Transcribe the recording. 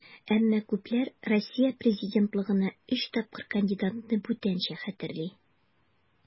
Әмма күпләр Россия президентлыгына өч тапкыр кандидатны бүтәнчә хәтерли.